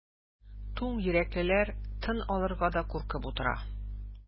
Туң йөрәклеләр тын алырга да куркып утыра.